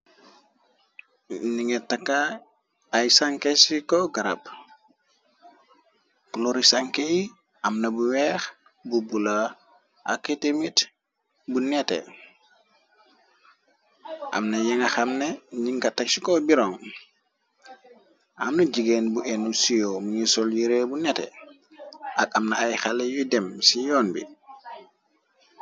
ninge taka ay sanke ciko grab cloris sankeyi amna bu weex bu bula akitemit bu nete amna yenga xamne ningatakchiko byron amna jigéen bu enu sio mu sol yiree bu nete ak amna ay xale yuy dem ci yoon bi